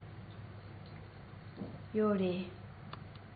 ཡོད རེད